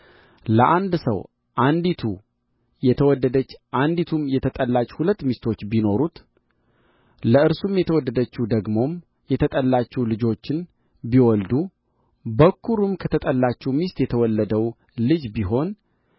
ለአንድ ሰው አንዲቱ የተወደደች አንዲቱም የተጠላች ሁለት ሚስቶች ቢኖሩት ለእርሱም የተወደደችው ደግሞም የተጠላችው ልጆችን ቢወልዱ በኵሩም ከተጠላችው ሚስት የተወለደው ልጅ ቢሆን